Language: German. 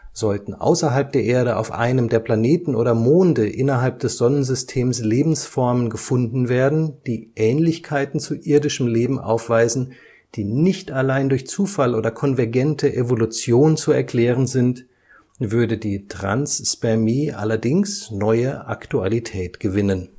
Sollten außerhalb der Erde auf einem der Planeten oder Monde innerhalb des Sonnensystems Lebensformen gefunden werden, die Ähnlichkeiten zu irdischem Leben aufweisen, die nicht allein durch Zufall oder konvergente Evolution zu erklären sind, würde die Transspermie allerdings neue Aktualität gewinnen